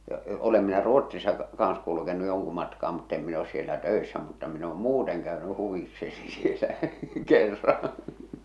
ja olen minä Ruotsissa kanssa kulkenut jonkun matkaa mutta en minä ole siellä töissä mutta minä olen muuten käynyt huvikseni siellä kerran